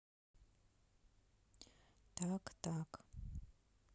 так так